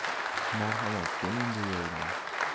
marhamat keling bu yo'ldan